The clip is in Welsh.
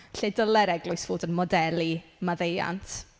Lle dylai'r Eglwys fod yn modelu maddeuant.